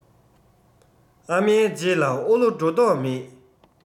ཨ མའི རྗེས ལ ཨོ ལོ འགྲོ མདོག མེད